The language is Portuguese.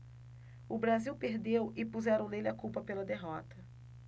o brasil perdeu e puseram nele a culpa pela derrota